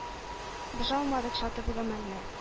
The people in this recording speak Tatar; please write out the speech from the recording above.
Без алмадык сатып гомерне,